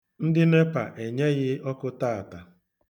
Ndị NEPA enyeghị ọkụ taata.